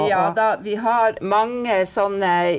ja da de har mange sånne.